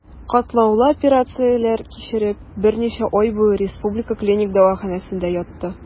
Катлаулы операцияләр кичереп, берничә ай буе Республика клиник дәваханәсендә ятты.